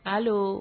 Paul